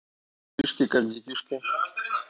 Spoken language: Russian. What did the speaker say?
как делишки как детишки